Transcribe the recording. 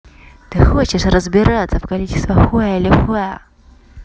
ты хочешь разбираться в количестве хуя или хуя